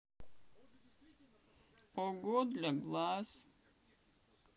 ого для глаз